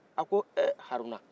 a ko eee haruna